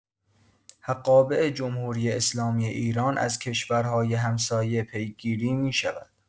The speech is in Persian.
حقابه جمهوری‌اسلامی ایران از کشورهای همسایه پیگیری می‌شود؛